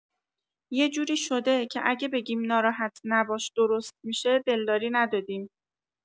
یجوری شده که اگه بگیم ناراحت نباش درست می‌شه دلداری ندادیم